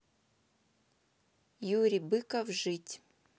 юрий быков жить